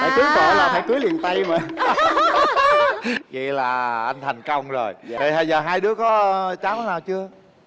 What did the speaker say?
phải cưới liền tay mà vậy là anh thành công rồi giờ hai đứa có cháu nào chưa